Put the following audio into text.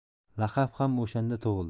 laqab ham o'shanda tug'ildi